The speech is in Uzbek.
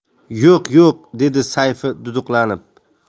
yo'q yo'q dedi sayfi duduqlanib